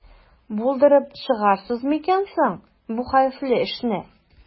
Булдырып чыгарсыз микән соң бу хәвефле эшне?